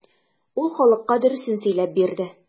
Ул халыкка дөресен сөйләп бирде.